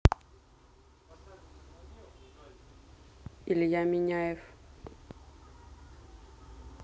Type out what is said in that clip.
илья миняев